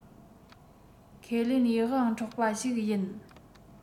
ཁས ལེན ཡིད དབང འཕྲོག པ ཞིག ཡིན